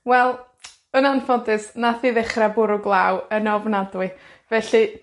Wel, yn anffodus, nath hi ddechra bwrw glaw yn ofnadwy, felly,